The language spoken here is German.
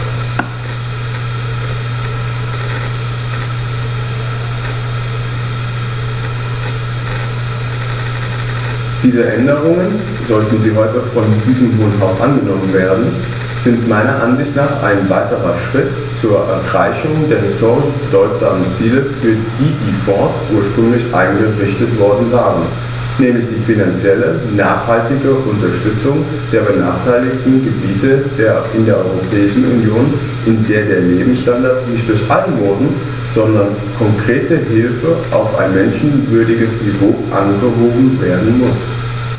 Diese Änderungen, sollten sie heute von diesem Hohen Haus angenommen werden, sind meiner Ansicht nach ein weiterer entscheidender Schritt zur Erreichung der historisch bedeutsamen Ziele, für die die Fonds ursprünglich eingerichtet worden waren, nämlich die finanziell nachhaltige Unterstützung der benachteiligten Gebiete in der Europäischen Union, in der der Lebensstandard nicht durch Almosen, sondern konkrete Hilfe auf ein menschenwürdiges Niveau angehoben werden muss.